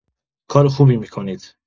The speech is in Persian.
کار خوبی می‌کنید